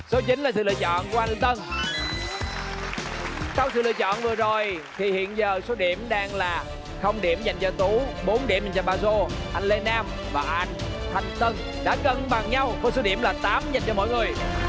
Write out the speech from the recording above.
số chính là sự lựa chọn của anh thanh tân sau sự lựa chọn vừa rồi thì hiện giờ số điểm đang là không điểm dành cho anh tú bốn điểm dành cho ba giô anh lê nam và anh thanh tân đã cân bằng nhau với số điểm là tám dành cho mọi người